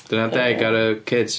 'Di hynna'n deg ar y kids?